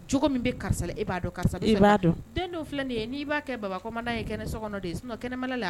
Cogo min karisa e b'a dɔn karisa filɛ'i b'a kɛ babama ye kɛnɛ so kɔnɔ kɛnɛ